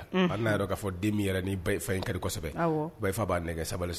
Unhun Hali n'a yɔrɔ k'a fɔ den min yɛrɛ ni ba ye fa in kadi kɔsɛbɛ awɔɔ i b'a ye fɔ a b'a nɛgɛ sabali s